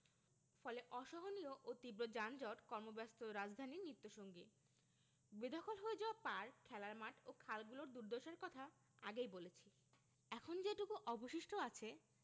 ফলে অসহনীয় ও তীব্র যানজট কর্মব্যস্ত রাজধানীর নিত্যসঙ্গী বেদখল হয়ে যাওয়া পার্ক খেলার মাঠ ও খালগুলোর দুর্দশার কথা আগে বলেছি এখন যেটুকু অবশিষ্ট আছে